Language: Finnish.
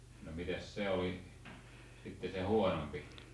no mitäs se oli sitten se huonompi